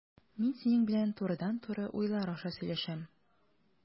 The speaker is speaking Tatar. Мин синең белән турыдан-туры уйлар аша сөйләшәм.